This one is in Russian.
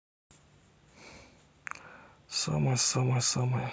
самая самая самая